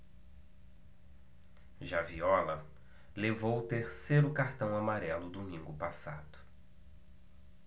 já viola levou o terceiro cartão amarelo domingo passado